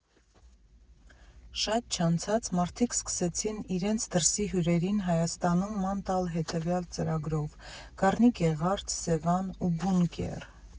Շատ չանցած մարդիկ սկսեցին իրենց դրսի հյուրերին Հայաստանում ման տալ հետևյալ ծրագրով՝ Գառնի֊Գեղարդ, Սևան ու «Բունկեր»։